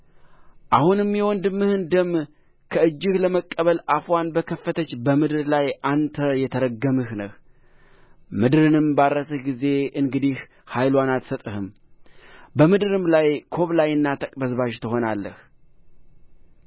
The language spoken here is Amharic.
አሁንም የወንድምህን ደም ከእጅህ ለመቀበል አፍዋን በከፈተች በምድር ላይ አንተ የተረገምህ ነህ ምድርንም ባረስህ ጊዜ እንግዲህ ኃይልዋን አትሰጥህም በምድርም ላይ ኰብላይና ተቅበዝባዥ ትሆናለህ